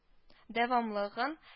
Дәвамлыгын